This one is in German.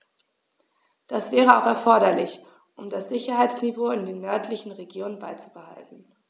Das wäre auch erforderlich, um das Sicherheitsniveau in den nördlichen Regionen beizubehalten.